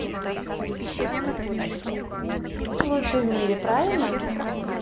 у меня самый лучший в мире правильно